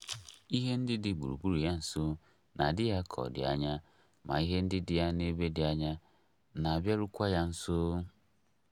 Ihe ndị dị gburugburu ya nso na-adị ya ka ha dị anya ma ihe ndị dị ya n'ebe dị anya na-abịarukwa ya nso.